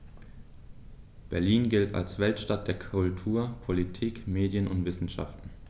Berlin gilt als Weltstadt der Kultur, Politik, Medien und Wissenschaften.